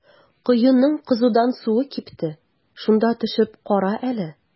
Коеның кызудан суы кипте, шунда төшеп кара әле.